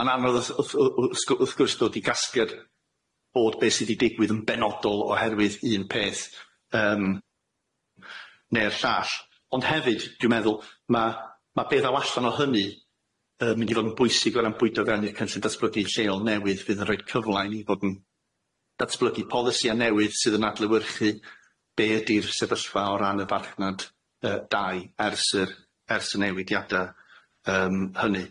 Ma'n anodd wth- w- w- sgw- wrth gwrs dod i gasgliad bod be sydd i digwydd yn benodol oherwydd un peth yym ne'r llall ond hefyd dwi'n meddwl ma' ma' be ddaw allan o hynny yy mynd i fod yn bwysig o ran bwydo fewn i'r cynllun datblygu lleol newydd fydd yn roid cyfla i ni fod yn datblygu polisïa newydd sydd yn adlewyrchu be ydi'r sefyllfa o ran y farchnad yy dai ers yr ers y newidiada yym hynny.